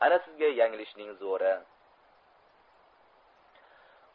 ana sizga yanglishning zo'ri